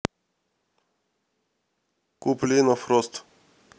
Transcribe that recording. куплинов рост